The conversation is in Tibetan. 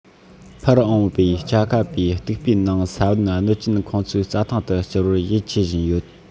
འཕུར འོངས པའི ཆ ག པའི རྟུག པའི ནང ས བོན གནོད ཅན ཁོང ཚོས རྩྭ ཐང དུ བསྐྱུར བར ཡིད ཆེས བཞིན ཡོད